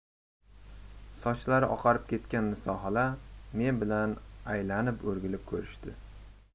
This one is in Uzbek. sochlari oqarib ketgan niso xola men bilan aylanib o'rgilib ko'rishdi